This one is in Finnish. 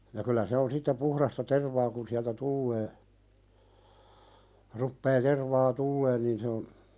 ja kyllä se on sitten puhdasta tervaa kun sieltä tulee rupeaa tervaa tulemaan niin se on